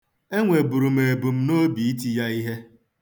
Enweburu m ebumnobi iti ya ihe.